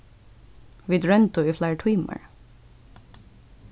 vit royndu í fleiri tímar